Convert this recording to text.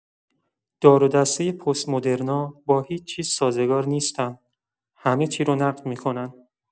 دار و دسته پست‌مدرنا با هیچ‌چیز سازگار نیستن، همه چی رو نقد می‌کنن!